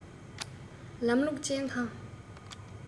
ལམ ལུགས ཅན དང